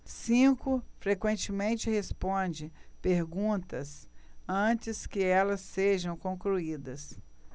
cinco frequentemente responde perguntas antes que elas sejam concluídas